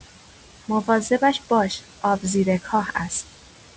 مواظبش باش، آب زیر کاه است.